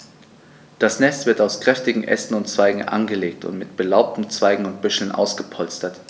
Das Nest wird aus kräftigen Ästen und Zweigen angelegt und mit belaubten Zweigen und Büscheln ausgepolstert.